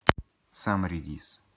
сам редис